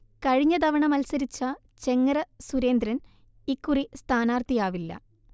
കഴിഞ്ഞതവണ മത്സരിച്ച ചെങ്ങറ സുരേന്ദ്രൻ ഇക്കുറി സ്ഥാനാർഥിയാവില്ല